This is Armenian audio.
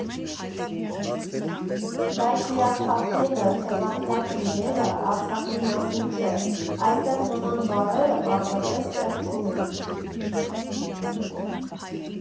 Բայց հիասթափվելը, թևաթափ լինելը Արցախի մասին չէ, այստեղ նման բառերը պարզապես տեղ չունեն։